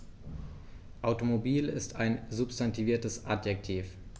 Automobil ist ein substantiviertes Adjektiv.